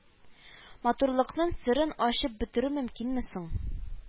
Матурлыкның серен ачып бетерү мөмкинме соң